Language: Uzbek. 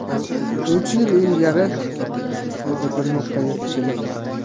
uch yil ilgari dedi bir nuqtaga tikilib